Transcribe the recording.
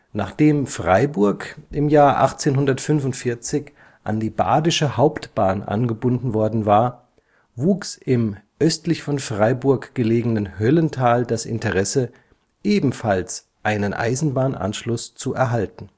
Nachdem Freiburg im Jahr 1845 an die Badische Hauptbahn angebunden worden war, wuchs im östlich von Freiburg gelegenen Höllental das Interesse, ebenfalls einen Eisenbahnanschluss zu erhalten